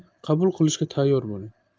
qabul qilishga tayyor bo'ling